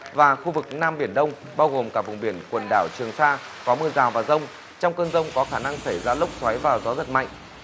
và khu vực nam biển đông bao gồm cả vùng biển quần đảo trường sa có mưa rào và dông trong cơn dông có khả năng xảy ra lốc xoáy và gió giật mạnh